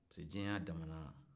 pariseke diɲɛ ye a damana